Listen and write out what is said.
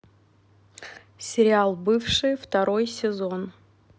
сериал бывшие второй сезон